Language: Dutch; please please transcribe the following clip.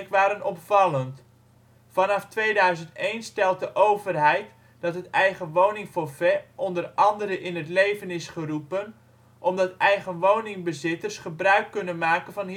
waren opvallend. Vanaf 2001 stelt de overheid dat het eigenwoningforfait o.a. in het leven is geroepen omdat eigenwoningbezitters gebruik kunnen maken van